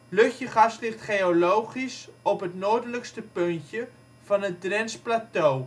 Lutjegast ligt geologisch op het Noordelijkste puntje van het Drents Plateau